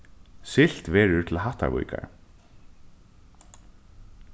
siglt verður til hattarvíkar